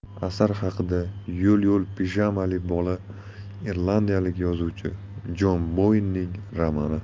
asar haqida yo'l yo'l pijamali bola irlandiyalik yozuvchi jon boynning romani